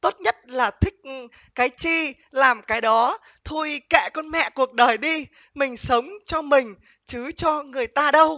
tốt nhất là thích cái chi làm cái đó thôi kệ con mẹ cuộc đời đi mình sống cho mình chứ cho người ta đâu